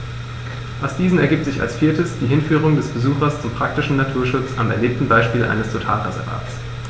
Aus diesen ergibt sich als viertes die Hinführung des Besuchers zum praktischen Naturschutz am erlebten Beispiel eines Totalreservats.